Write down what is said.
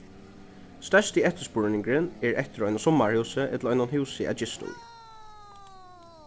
størsti eftirspurningurin er eftir einum summarhúsi ella einum húsi at gista í